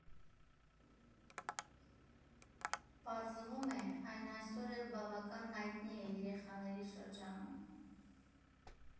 Պարզվում է՝ այն այսօր էլ բավական հայտնի է երեխաների շրջանում։